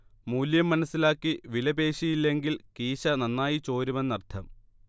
മൂല്യം മനസ്സിലാക്കി വിലപേശിയില്ലെങ്കിൽ കീശ നന്നായി ചോരുമെന്നർഥം